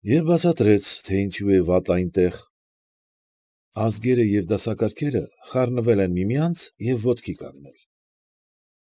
Եվ բացատրեց, թե ինչու է վատ այնտեղ։ «Ազգերը և դասակարգերը» խառնվել են միմյանց և ոտքի կանգնել։